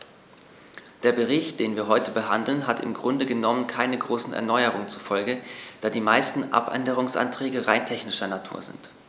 Der Bericht, den wir heute behandeln, hat im Grunde genommen keine großen Erneuerungen zur Folge, da die meisten Abänderungsanträge rein technischer Natur sind.